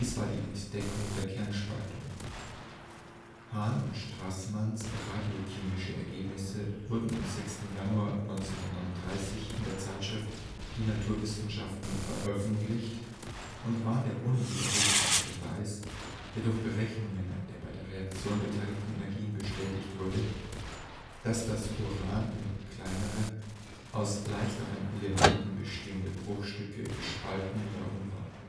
war die Entdeckung der Kernspaltung. Hahns und Straßmanns radiochemische Ergebnisse wurden am 6. Januar 1939 in der Zeitschrift Die Naturwissenschaften veröffentlicht und waren der unwiderlegbare Beweis (der durch Berechnungen der bei der Reaktion beteiligten Energien bestätigt wurde), dass das Uran in kleinere, aus leichteren Elementen bestehende Bruchstücke gespalten worden war